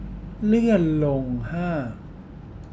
เลื่อนลงห้า